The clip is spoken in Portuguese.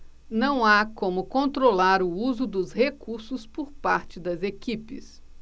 não há como controlar o uso dos recursos por parte das equipes